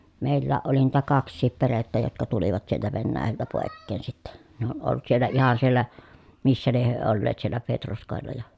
meilläkin oli niitä kaksikin perhettä jotka tulivat sieltä Venäjältä pois sitten ne on ollut siellä ihan siellä missä lie he olleet siellä Petroskoilla ja